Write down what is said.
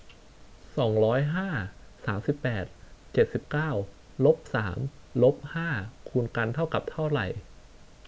สองร้อยห้าสามสิบแปดเจ็ดสิบเก้าลบสามลบห้าคูณกันเท่ากับเท่าไหร่